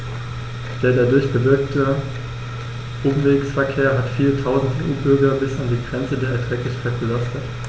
Der dadurch bewirkte Umwegsverkehr hat viele Tausend EU-Bürger bis an die Grenze des Erträglichen belastet.